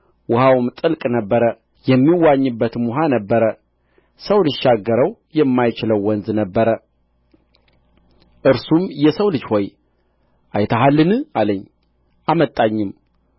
ውኃውም ጥልቅ ነበረ የሚዋኝበትም ውኃ ነበረ ሰው ሊሻገረው የማይችለው ወንዝ ነበረ እርሱም የሰው ልጅ ሆይ አይተሃልን አለኝ አመጣኝም